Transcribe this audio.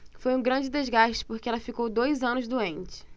foi um grande desgaste porque ela ficou dois anos doente